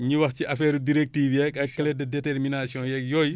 ñu wax si affaire directives yeeg ay clé de détermination yeeg yooyu